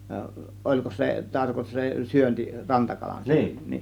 olikos se - se syönti rantakalansyönti